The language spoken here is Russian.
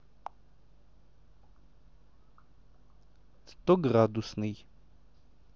стоградусный